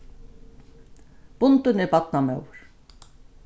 bundin er barnamóðir